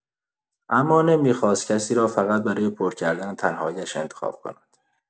اما نمی‌خواست کسی را فقط برای پر کردن تنهایی‌اش انتخاب کند.